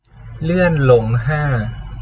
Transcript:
เลื่อนลงห้า